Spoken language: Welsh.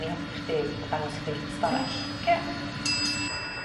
...i helpu chdi a dangos chdi stafell. Oce.